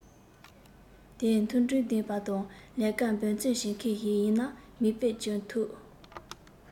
དེ མཐུན སྒྲིལ ལྡན པ དང ལས ཀར འབད རྩོན བྱེད མཁན ཞིག ཡིན ན མིག དཔེར གྱུར ཐུབ